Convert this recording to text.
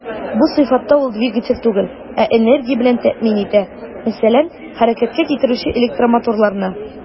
Бу сыйфатта ул двигатель түгел, ә энергия белән тәэмин итә, мәсәлән, хәрәкәткә китерүче электромоторларны.